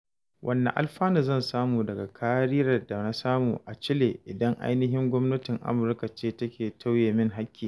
Wanne alfanu zan samu daga kariyar da na samu a Chile idan anihin Gwamnatin Amurka ce take tauye mini haƙƙi?